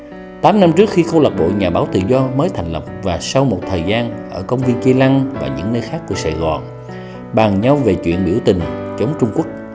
tám năm trước khi câu lạc bộ nhà báo tự do mới thành lập và sau một thời gian ở công viên chi lăng và những nơi khác của sài gòn bàn nhau về chuyện biểu tình chống trung quốc